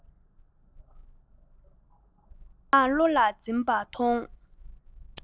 མན ངག བློ ལ འཛིན པ མཐོང